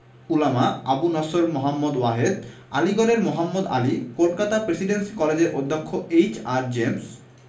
উলামা আবু নসর মুহম্মদ ওয়াহেদ আলীগড়ের মোহাম্মদ আলী কলকাতা প্রেসিডেন্সি কলেজের অধ্যক্ষ এইচ.আর জেমস